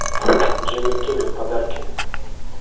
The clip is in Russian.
jimmy kimmel подарки